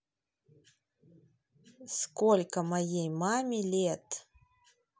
сколько моей маме лет